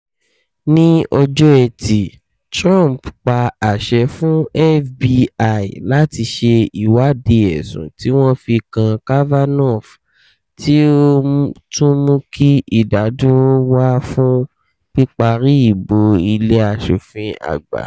Ní ọjọ́ ẹtì, Trump pa àṣẹ fún FBI láti ṣe ìwádìí ẹ̀sùn tí wọ́n fi kan Kavanugh, tí ó tún mú kí ìdádúró wá fún píparí ìbò Ilé Aṣòfin àgbà.